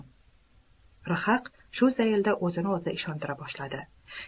rhaq shu zaylda o'zini o'zi ishontira boshladi